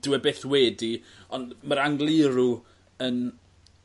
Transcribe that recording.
Dw e byth wedi ond ma'r Angliru yn